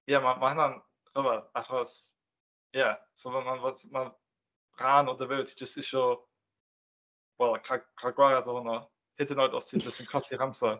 Ia ma' ma' hwnna'n rhyfedd, achos ia so ma'n rhan o dy fywyd. Ti jyst isio, wel, cael cael gwared ohono hyd yn oed os ti jyst yn colli'r amser.